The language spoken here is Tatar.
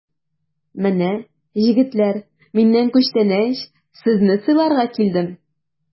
Менә, җегетләр, миннән күчтәнәч, сезне сыйларга килдем!